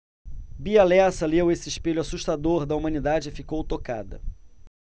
bia lessa leu esse espelho assustador da humanidade e ficou tocada